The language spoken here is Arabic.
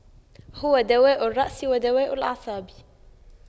هو دواء الرأس ودواء الأعصاب